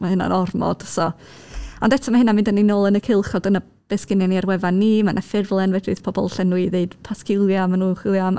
Ma' hynna'n ormod, so... Ond eto ma' hynna'n mynd â ni nôl yn y cylch o dyna be sy gennyn ni ar wefan ni, ma' 'na ffurflen fedri pobl llenwi i ddweud pa sgiliau ma' nhw'n chwilio am...